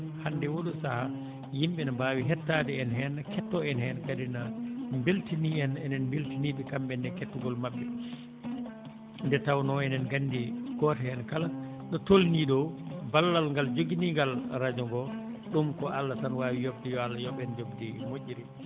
hannde oɗo sahaa yimɓe ne mbaawi hettaade en heen kettoo en heen kadi na mbeltanii en enen mbeltanii ɓe kamɓe ne e kettagol maɓɓe ²nde tawnoo enen Ngandi gooto heen kala ɗo tolniI ɗoO ballal ngal jogini ngal radio ngo ɗum ko Allah tan waawi yode yo Allah yoɓ en njoɓndi moƴƴiri